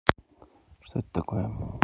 что это такое